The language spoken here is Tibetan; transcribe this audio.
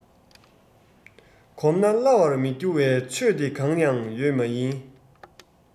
གོམས ན སླ བར མི འགྱུར བའི ཆོས དེ གང ནའང ཡོད མ ཡིན